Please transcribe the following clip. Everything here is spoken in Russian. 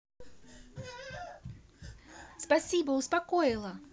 спасибо успокоила